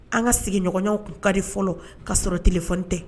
An ka sigiɲɔgɔnɲɔgɔnw tun ka di fɔlɔ k ka sɔrɔ ton tɛ